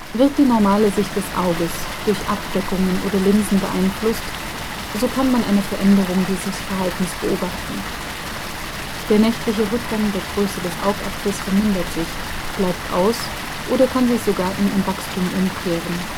Wird die normale Sicht des Auges durch Abdeckungen oder Linsen beeinflusst, so kann man eine Veränderung dieses Verhaltens beobachten: Der nächtliche Rückgang der Größe des Augapfels vermindert sich, bleibt aus, oder kann sich sogar in ein Wachstum umkehren